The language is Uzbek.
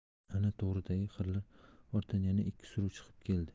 ana to'g'ridagi qirlar ortidan yana ikki suruv chiqib keldi